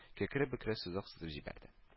Кәкре-бөкре сызык сызып җибәрде